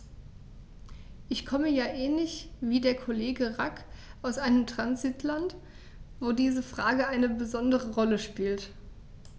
Ich komme ja ähnlich wie der Kollege Rack aus einem Transitland, wo diese Frage eine besondere Rolle spielt.